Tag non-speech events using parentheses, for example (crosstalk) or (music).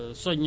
(hesitation) (hesitation)